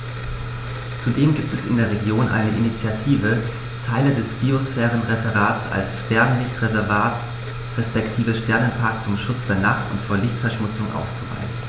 Zudem gibt es in der Region eine Initiative, Teile des Biosphärenreservats als Sternenlicht-Reservat respektive Sternenpark zum Schutz der Nacht und vor Lichtverschmutzung auszuweisen.